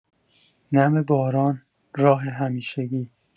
نم باران، راه همیشگی